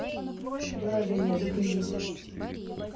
приложение загрузить